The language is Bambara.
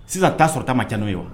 Sisan taa sɔrɔ taama ca n'o ye wa